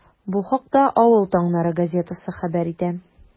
Бу хакта “Авыл таңнары” газетасы хәбәр итә.